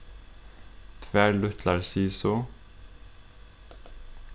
tvær lítlar sisu